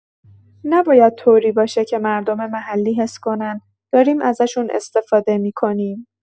نباید طوری باشه که مردم محلی حس کنن داریم ازشون استفاده می‌کنیم.